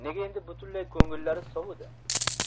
nega endi butunlay ko'ngillari sovidi